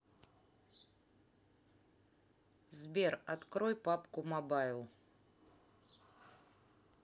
сбер открой папку мобайл